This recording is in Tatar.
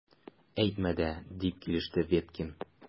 Әйтмә дә! - дип килеште Веткин.